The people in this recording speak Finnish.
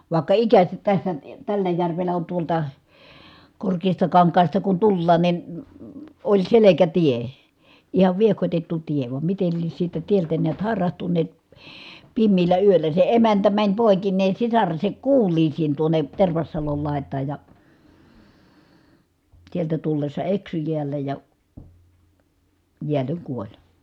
vaikka ikänsä tässä tällä järvellä on tuolta Korkeastakankaasta kun tullaan niin oli selkätie ihan viehkotettu tie vaan miten lie siltä tieltä näet hairahtuneet pimeällä yöllä se emäntä meni poikineen sisarensa kuuliaisiin tuonne Tervassalon laitaan ja sieltä tullessa eksyi jäällä ja jäälle kuoli